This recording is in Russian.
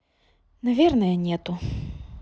наверное нету